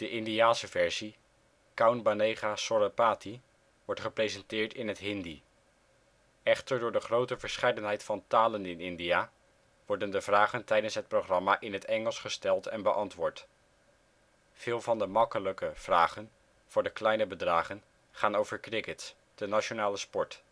Indiase versie Kaun Banega Crorepati wordt gepresenteerd in het Hindi. Echter door de grote verscheidenheid van talen in India worden de vragen tijdens het programma in het Engels gesteld en beantwoord. Veel van de " makkelijke " vragen voor de kleine bedragen gaan over cricket, de nationale sport